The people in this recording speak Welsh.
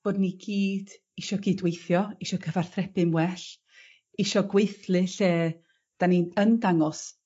bod ni gyd isio cydweithio isio cyfarthrebu'n well. Isio gweuthlu lle 'dan ni yn dangos